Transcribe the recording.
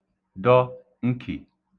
dọ nkì